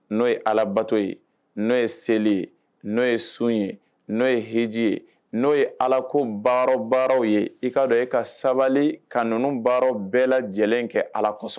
N'o ye Alabato ye, n'o ye seli ye, n'o ye sun ye, n'o ye hiji ye, n'o ye Alako baara-baaraw ye, i k'a dɔn e ka sabali ka ninnu baaraw bɛɛ lajɛlen kɛ Ala kosɔn